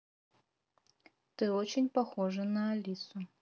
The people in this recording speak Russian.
ты очень похожа на алису